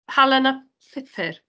Halen a pupur?